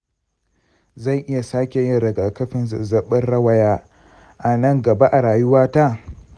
zan iya sakeyin rigakafin zazzabin rawaya a nan gaba a rayuwata?